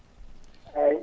eeyi